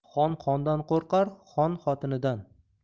xon xondan qo'rqar xon xotinidan